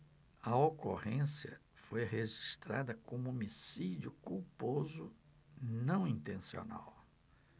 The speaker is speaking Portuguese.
a ocorrência foi registrada como homicídio culposo não intencional